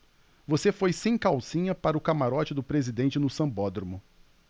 você foi sem calcinha para o camarote do presidente no sambódromo